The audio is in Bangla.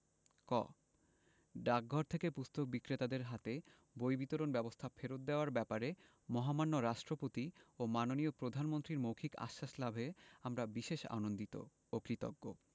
ক ডাকঘর থেকে পুস্তক বিক্রেতাদের হাতে বই বিতরণ ব্যবস্থা ফেরত দেওয়ার ব্যাপারে মহামান্য রাষ্ট্রপতি ও মাননীয় প্রধানমন্ত্রীর মৌখিক আশ্বাস লাভে আমরা বিশেষ আনন্দিত ও কৃতজ্ঞ